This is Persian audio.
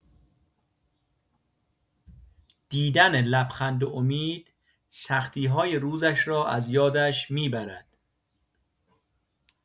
دیدن لبخند امید، سختی‌های روزش را از یادش می‌برد.